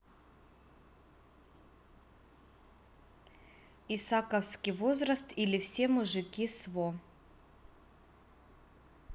исаковский возраст или все мужики сво